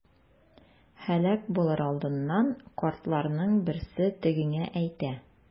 Һәлак булыр алдыннан картларның берсе тегеңә әйтә.